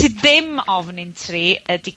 sy ddim ofn ni'n tri ydi...